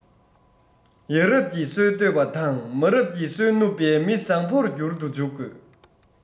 ཡ རབས ཀྱི སྲོལ བཏོད པ དང མ རབས ཀྱི སྲོལ བསྣུབས པའི མི བཟང བོར འགྱུར དུ འཇུག དགོས